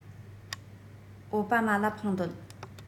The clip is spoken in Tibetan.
ཨའོ པ མ ལ འཕངས འདོད